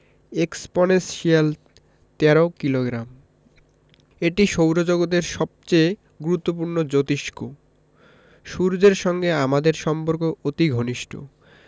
exponential ১৩ kilogram এটি সৌরজগতের সবচেয়ে গুরুত্বপূর্ণ জোতিষ্ক সূর্যের সঙ্গে আমাদের সম্পর্ক অতি ঘনিষ্ট